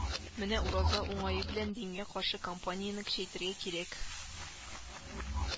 Менә ураза уңае белән дингә каршы кампанияне көчәйтергә кирәк